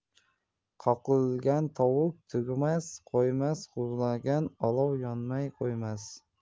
qaqillagan tovuq tug'may qo'ymas guvillagan olov yonmay qo'ymas